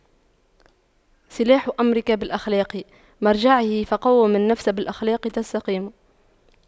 صلاح أمرك بالأخلاق مرجعه فَقَوِّم النفس بالأخلاق تستقم